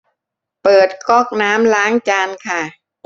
เปิดก๊อกน้ำล้างจานค่ะ